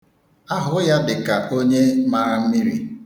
Ahụ ya dị ka onye mara mmiri.